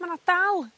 ma' 'na dal